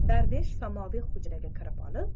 darvish samoviy hujraga kirib olib